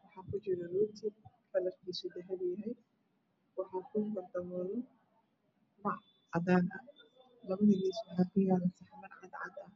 waxa ku jiro roti kalar kiiso yahay dahabi waxa ku kordabolan bac cadan ah labada miis waxa ku yalo saxaman cadcadaan ah